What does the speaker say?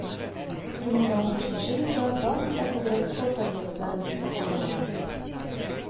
2015 елда тагын да күбрәк спорт объектларын төзү каралган.